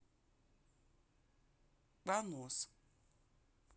понос